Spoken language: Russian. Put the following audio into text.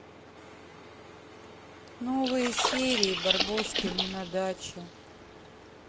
новые серии барбоскины на даче